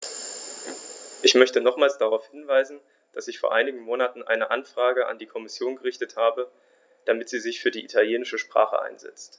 Ich möchte nochmals darauf hinweisen, dass ich vor einigen Monaten eine Anfrage an die Kommission gerichtet habe, damit sie sich für die italienische Sprache einsetzt.